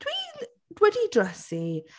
Dwi'n wedi drysu.